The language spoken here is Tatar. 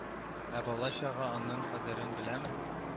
Ә бала-чага аның кадерен беләме